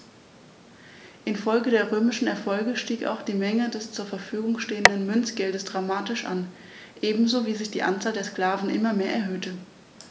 Infolge der römischen Erfolge stieg auch die Menge des zur Verfügung stehenden Münzgeldes dramatisch an, ebenso wie sich die Anzahl der Sklaven immer mehr erhöhte.